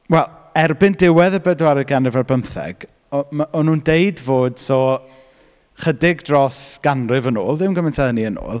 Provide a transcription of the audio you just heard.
Wel, erbyn diwedd y bedwaredd ganrif ar bumtheg, o- ma- o nhw'n deud fod so... chydig dros ganrif yn ôl... ddim gymaint o hynny yn ôl...